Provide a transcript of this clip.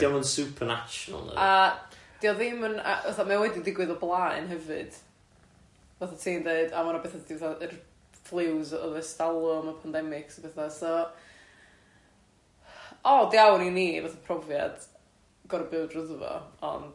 'Dio'm- 'dio'm yn supernatural ddo... A 'dio'm ddim yn a- fatha mae o wedi digwydd o blaen hefyd, fatha ti'n deud a ma' 'na betha'n tydi fatha yr flues oedd ers talwm a pandemics a petha so, od iawn i ni fatha profiad gorfod byw drwyddo fo ond...